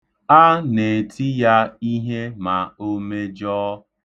A na-eti ya ihe ma o mejọọ.